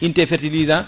unité fertilisant